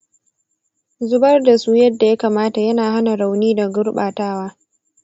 zubar da su yadda ya kamata yana hana rauni da gurbatawa.